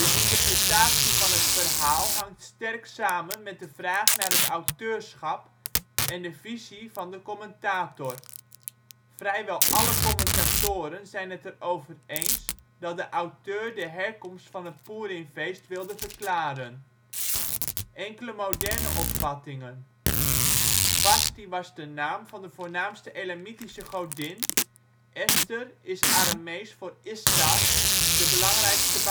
interpretatie van het verhaal hangt sterk samen met de vraag naar het auteurschap en de visie van de commentator. Vrijwel alle commentatoren zijn het erover eens dat de auteur de herkomst van het Poerimfeest wilde verklaren. Enkele ' moderne ' opvattingen: " Vasthi " was de naam van de voornaamste Elamitische godin. " Esther " is Aramees voor " Ishtar ", de belangrijkste